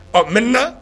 Ɔ mɛnan